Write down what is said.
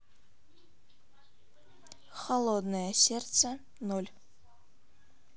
холодное сердце ноль